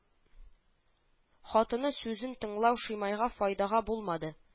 Хатыны сүзен тыңлау Шимайга файдага булмады